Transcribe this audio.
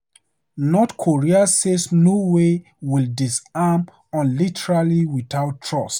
North Korea says 'no way' will disarm unilaterally without trust